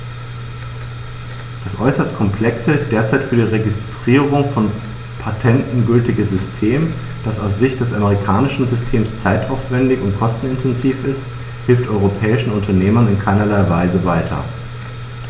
Das äußerst komplexe, derzeit für die Registrierung von Patenten gültige System, das aus Sicht des amerikanischen Systems zeitaufwändig und kostenintensiv ist, hilft europäischen Unternehmern in keinerlei Weise weiter.